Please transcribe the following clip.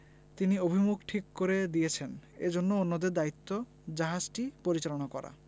তিনি অভিমুখ ঠিক করে দিয়েছেন এখন অন্যদের দায়িত্ব জাহাজটি পরিচালনা করা